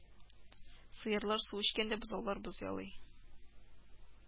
Сыерлар су эчкәндә, бозаулар боз ялый